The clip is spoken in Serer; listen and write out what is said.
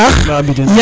Ba Aboudin